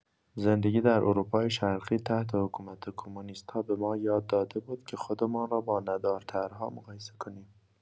زندگی در اروپای شرقی تحت حکومت کمونیست‌ها به ما یاد داده بود که خودمان را با ندارترها مقایسه کنیم.